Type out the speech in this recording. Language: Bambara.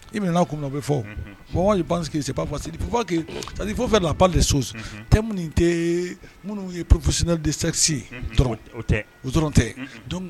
I minɛna kun min na o bɛ fɔ o moi je pense que c'est pas facile, faut pas que, c'est à dire il faut faire la part des choses, thème in tɛ minnu ye professionnels de sexe dɔrɔn. Dɔrɔn. Dɔrɔn tɛ